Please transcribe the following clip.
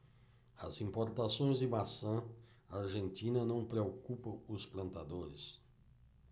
as importações de maçã argentina não preocupam os plantadores